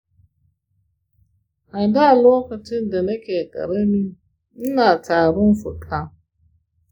a da lokacin da nake ƙarami ina da tarin fuka.